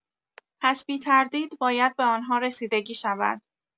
پس بی‌تردید باید به آن‌ها رسیدگی شود.